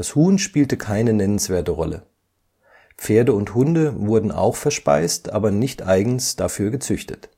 Huhn spielte keine nennenswerte Rolle. Pferde und Hunde wurden auch verspeist, aber nicht eigens dafür gezüchtet